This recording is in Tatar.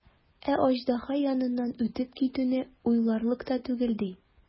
Ә аждаһа яныннан үтеп китүне уйларлык та түгел, ди.